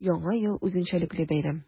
Яңа ел – үзенчәлекле бәйрәм.